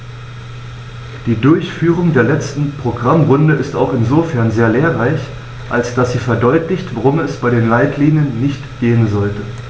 Die Durchführung der letzten Programmrunde ist auch insofern sehr lehrreich, als dass sie verdeutlicht, worum es bei den Leitlinien nicht gehen sollte.